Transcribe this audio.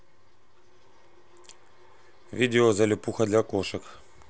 видео залипуха для кошек